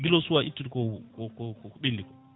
guila o suwa ittude ko ko ko ɓendi ko